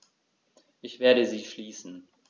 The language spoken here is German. Ich werde sie schließen.